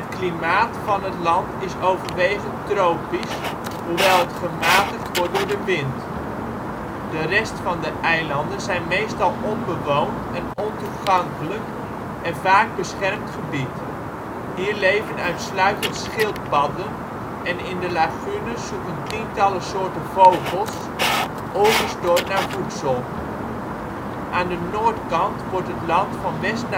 klimaat van het land is overwegend tropisch, hoewel het gematigd wordt door de wind. De rest van de eilanden zijn meestal onbewoond en ontoegankelijk en vaak beschermd gebied. Hier leven uitsluitend schildpadden en in de lagunes zoeken tientallen soorten vogels ongestoord naar voedsel. Aan de noordkant wordt het land van west